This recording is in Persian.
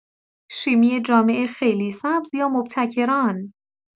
شیمی جامع خیلی سبز یا مبتکران؟